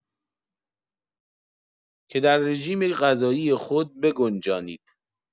که در رژیم‌غذایی خود بگنجانید